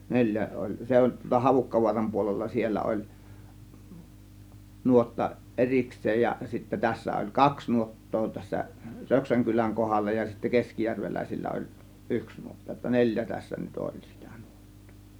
neljä oli se oli tuolla Havukkavaaran puolella siellä oli nuotta erikseen ja sitten tässä oli kaksi nuottaa tässä Röksän kylän kohdalla ja sitten keskijärveläisillä oli yksi nuotta jotta neljä tässä nyt oli sitä nuottaa